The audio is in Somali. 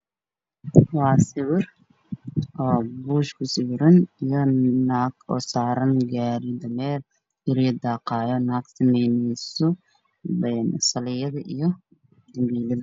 Waa sawir ku sawiran bush iyo naag saaran gaari dameer saldhigyada iyo dul